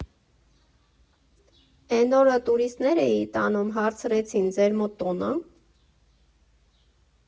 Էն օրը տուրիստներ էի տանում, հարցրեցին ՝ ձեր մոտ տոն ա՞։